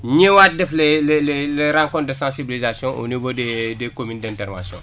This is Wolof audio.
ñëwaat def les les les rencontres de sensibilisation au niveau des des communes d' intervention